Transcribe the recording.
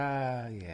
Ah, ie.